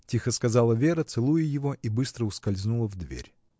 — тихо сказала Вера, целуя его, и быстро ускользнула в дверь.